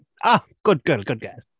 A, Good girl, good girl.